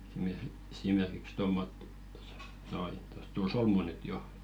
- esimerkiksi tuommoisia tuossa noin tuossa tuli solmu nyt jo